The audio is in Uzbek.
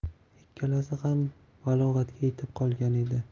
ikkalasi ham balog'atga yetib qolgan edi